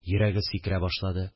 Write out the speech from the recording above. Йөрәге сикерә башлады